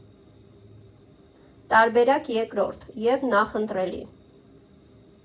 Տարբերակ երկրորդ (և նախընտրելի).